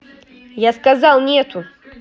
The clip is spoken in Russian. я сказал нету